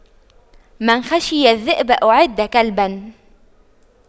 من خشى الذئب أعد كلبا